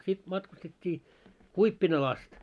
sitten matkustettiin Kuippinalle asti